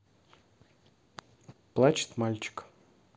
плачет мальчик